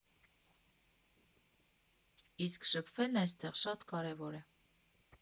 Իսկ շփվելն այստեղ շատ կարևոր է։